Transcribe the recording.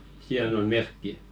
siihen on merkki